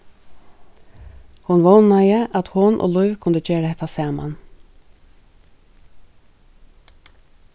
hon vónaði at hon og lív kundu gera hetta saman